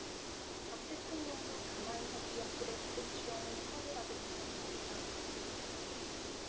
박 대통령도 담화에서 기업들의 기금 출연을 선의라고 규정했었다